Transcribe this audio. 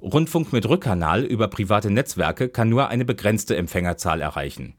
Rundfunk mit Rückkanal über private Netzwerke kann nur eine begrenzte Empfängerzahl erreichen.